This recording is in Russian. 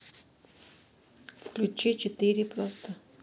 включи четыре просто